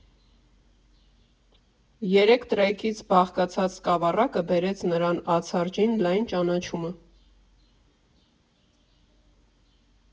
Երեք թրեքից բաղկացած սկավառակը բերեց նրան ացառջին լայն ճանաչումը։